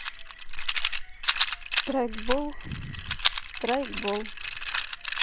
страйкбол страйкбол